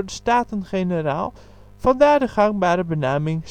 Staten-Generaal; vandaar de gangbare benaming